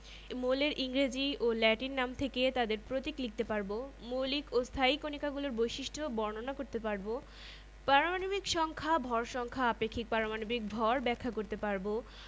আপেক্ষিক পারমাণবিক ভর থেকে আপেক্ষিক আণবিক ভর হিসাব করতে পারব পরমাণুর ইলেকট্রন প্রোটন ও নিউট্রন সংখ্যা হিসাব করতে পারব